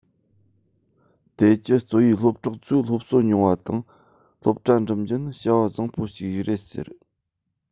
ད ཅི རྩོད ཡའི སློབ གྲོགས ཚོས སློབ གསོ མྱོང བ དང སློབ གྲྭ འགྲིམས རྒྱུ ནི བྱ བ བཟང བོ ཞིག རེད ཟེར